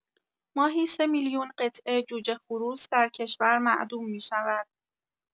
ماهی ۳ میلیون قطعه جوجه خروس در کشور معدوم می‌شود.